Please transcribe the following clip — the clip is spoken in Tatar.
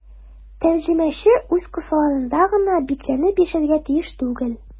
Тәрҗемәче үз кысаларында гына бикләнеп яшәргә тиеш түгел.